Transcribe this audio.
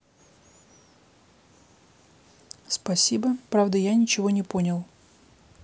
спасибо правда я ничего не понял